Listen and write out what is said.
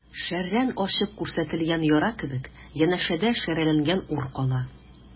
Шәрран ачып күрсәтелгән яра кебек, янәшәдә шәрәләнгән ур кала.